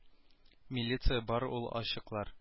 Милиция бар ул ачыклар